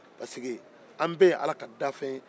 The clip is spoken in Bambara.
parce que an bɛɛ ye ala ka dafɛn ye